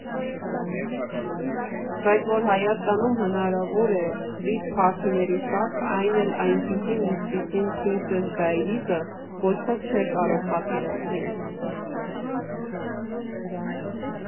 Բայց որ Հայաստանում հնարավոր է քվիր փարթիների շարք, այն էլ այնպիսին, ինչպիսին Փրինսես Դայրիզը, ոչ ոք չէր կարող պատկերացնել։